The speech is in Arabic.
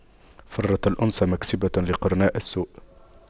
فرط الأنس مكسبة لقرناء السوء